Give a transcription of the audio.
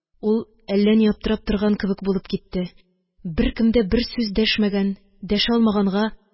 Ул әллә ни аптырап торган кебек булып китте. Беркем дә бер сүз дәшмәгән – дәшә алмаганга